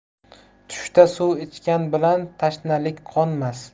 tushda suv ichgan bilan tashnalik qonmas